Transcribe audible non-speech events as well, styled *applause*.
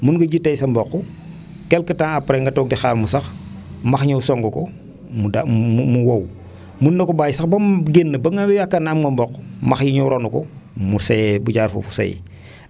mun nga ji tey sa mboq quelque temps après nga toog di xaar mu sax max ñëw song ko mu da mu wow mun na ko bàyyi sax ba mu génn ba nga yaakaar ne am nga mboq max yi ñëw ronu ko mu see mu jaar foofu seey *inhales*